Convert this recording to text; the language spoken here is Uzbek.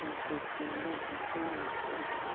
bilan chertganda boshim og'ridi